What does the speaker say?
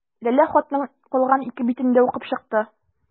Ләлә хатның калган ике битен дә укып чыкты.